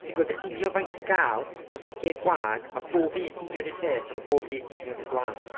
Ti'n gwbod yn union faint ti'n gael, does na'm lle gwag, ma' bob un union un peth, a ma' bob un union un blas.